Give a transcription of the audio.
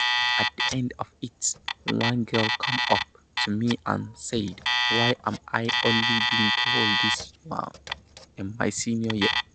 At the end of it one girl came up to me and said: 'Why am I only being told this now, in my senior year?'